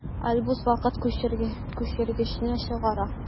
Альбус вакыт күчергечне чыгара.